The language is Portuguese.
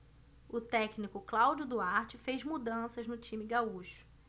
o técnico cláudio duarte fez mudanças no time gaúcho